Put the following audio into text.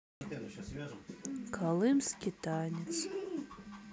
калмыкский танец